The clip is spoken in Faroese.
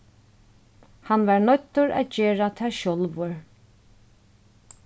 hann var noyddur at gera tað sjálvur